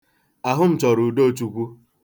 Ahụ m chọrọ udochukwu.